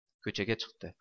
ko'chaga chykdi